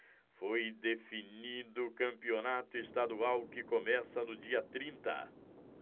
foi definido o campeonato estadual que começa no dia trinta